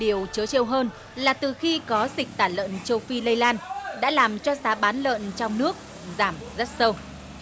điều trớ trêu hơn là từ khi có dịch tả lợn châu phi lây lan đã làm cho giá bán lợn trong nước giảm rất sâu